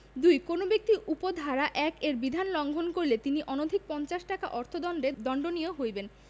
২ কোন ব্যক্তি উপ ধারা ১ এর বিধান লংঘন করিলে তিনি অনধিক পঞ্চাশ টাকা অর্থদন্ডে দন্ডনীয় হইবেন